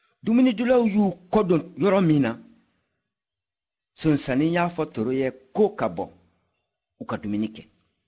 dumunidilaw y'u kɔdon yɔrɔ min na sonsannin y'a fɔ toro ye k'o ka bɔ u ka dumuni kɛ